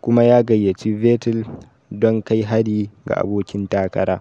kuma ya gayyaci Vettel don kai hari ga abokin takara.